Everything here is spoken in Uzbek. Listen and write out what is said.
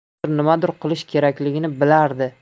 hozir nimadir qilish kerakligini bilardi